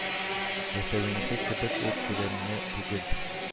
Ясәвинеке кебек үк күләмле түгел